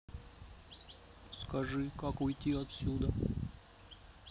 скажи как уйти отсюда